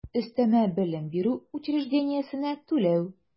Өстәмә белем бирү учреждениесенә түләү